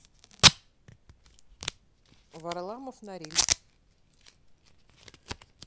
варламов норильск